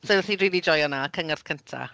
So wnaeth hi rili joio 'na cyngerdd cynta.